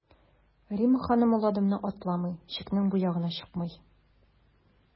Римма ханым ул адымны атламый, чикнең бу ягына чыкмый.